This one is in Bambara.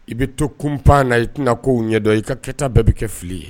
I bɛ to kun pan na i tɛna ko' ɲɛ dɔn i ka kɛta bɛɛ bɛ kɛ fili ye